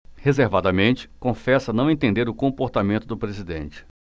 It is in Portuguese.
reservadamente confessa não entender o comportamento do presidente